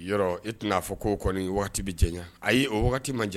Yɔrɔ, e tɛna'fɔ ko o kɔni waati bɛ jɛyan. Ay,i o waati man jan.